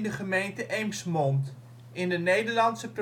gemeente Eemsmond in de Nederlandse